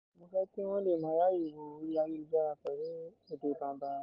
Mo fẹ́ kí wọ́n lè máa ráyè wọ orí ayélujára pẹ̀lú èdè Bambara náà.